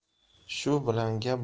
shu bilan gap